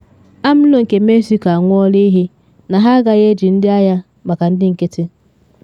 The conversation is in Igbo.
AMLO nke Mexico anwụọla iyi na ha agaghị eji ndị agha maka ndị nkịtị